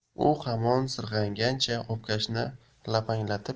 u hamon sirg'angancha obkashini lapanglatib